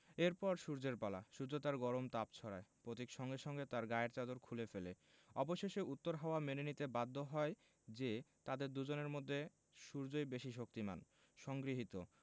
এর পর সূর্যের পালা সূর্য তার গরম তাপ ছড়ায় পথিক সঙ্গে সঙ্গে তার গায়ের চাদর খুলে ফেলে অবশেষে উত্তর হাওয়া মেনে নিতে বাধ্য হয় যে তাদের দুজনের মধ্যে সূর্যই বেশি শক্তিমান সংগৃহীত